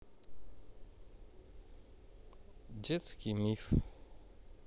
детский миф